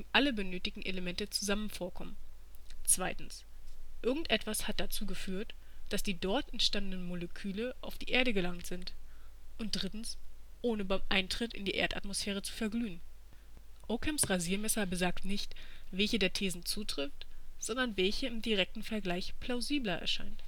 alle benötigten Elemente zusammen vorkommen, (2.) irgendetwas hat dazu geführt, dass die dort entstandenen Moleküle auf die Erde gelangt sind (3.) ohne beim Eintritt in die Erdatmosphäre zu verglühen. Ockhams Rasiermesser besagt nicht, welche der Thesen zutrifft, sondern welche im direkten Vergleich plausibler erscheint